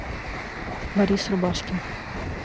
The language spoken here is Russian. борис рубашкин